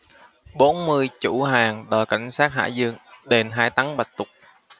bốn mươi chủ hàng đòi cảnh sát hải dương đền hai tấn bạch tuộc